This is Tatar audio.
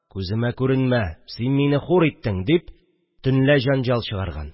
– күземә күренмә, син мине хур иттең, – дип төнлә җанҗал чыгарган